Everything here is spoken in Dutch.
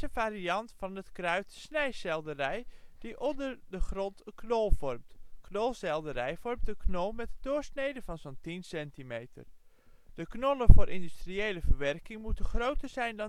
variant van het kruid snijselderij die onder de grond een knol vormt. Knolselderij vormt een knol met een doorsnede van zo 'n 10 cm. De knollen voor industriële verwerking moeten groter zijn